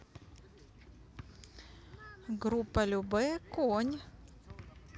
группа любэ конь